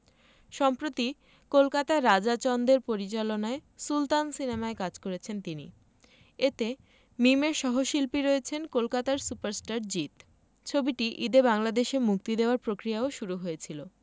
সম্প্রতি কলকাতায় রাজা চন্দের পরিচালনায় সুলতান সিনেমার কাজ করেছেন তিনি এতে মিমের সহশিল্পী রয়েছেন কলকাতার সুপারস্টার জিৎ ছবিটি ঈদে বাংলাদেশে মুক্তি দেয়ার প্রক্রিয়াও শুরু হয়েছিল